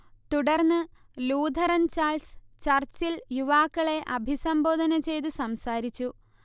തുടർന്ന് Lutheran Charles ചർച്ചിൽ യുവാക്കളെ അഭിസംബോധന ചെയ്തു സംസാരിച്ചു